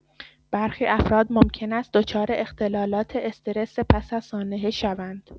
برخی افراد ممکن است دچار اختلالات استرس پس از سانحه شوند؛